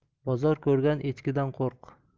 bozor ko'rgan echkidan qo'rq